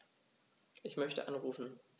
Ich möchte anrufen.